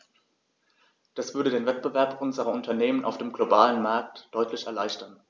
Das würde den Wettbewerb unserer Unternehmen auf dem globalen Markt deutlich erleichtern.